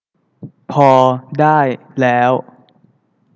พอได้แล้ว